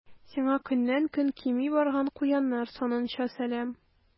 Сиңа көннән-көн кими барган куяннар санынча сәлам.